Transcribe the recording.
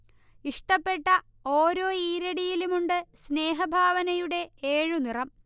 ഇഷ്ടപ്പെട്ട ഓരോ ഈരടിയിലുമുണ്ടു സ്നേഹഭാവനയുടെ ഏഴു നിറം